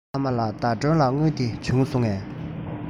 ཨ མ ལགས ཟླ སྒྲོན ལ དངུལ དེ བྱུང སོང ངས